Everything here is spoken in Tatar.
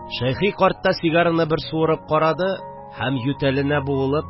Шәйхи карт та сигараны бер суырып карады, һәм ютәленә буылып